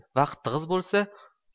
vaqt tig'iz bo'lsa